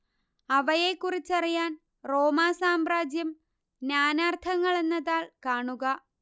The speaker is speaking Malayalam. അവയെക്കുറിച്ചറിയാൻ റോമാ സാമ്രാജ്യം നാനാർത്ഥങ്ങൾ എന്ന താൾ കാണുക